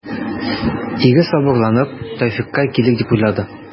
Ире сабырланыр, тәүфыйкка килер дип уйлады.